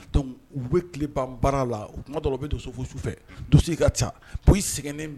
dɔnk u bɛ kile ban baara la tuma dɔ u bɛ don fo sufɛ dosiye ka ca bɔn i sɛgɛlen